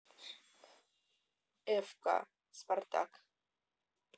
фк спартак